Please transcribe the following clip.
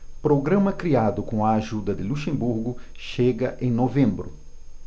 programa criado com a ajuda de luxemburgo chega em novembro